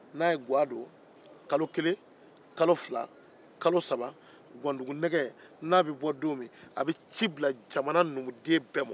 n'a ye ga don kalo kelen kalo fila kalo saba gɔndugunɛgɛ n'a bɛ bɔ don min a bɛ ci bila jamana numuden bɛɛ ma